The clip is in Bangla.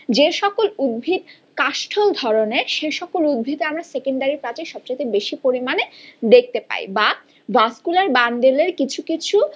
সব জায়গায় দেখবো না যে সকল উদ্ভিদ কাষ্ঠল ধরনের সে সকল উদ্ভিদে আমরা সেকেন্ডারি প্রাচীর সবচেয়ে বেশি পরিমাণে দেখতে পাই বা ভাস্কুলার বান্ডল এর কিছু কিছু